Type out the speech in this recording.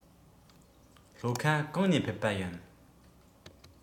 ལྷོ ཁ གང ནས ཕེབས པ ཡིན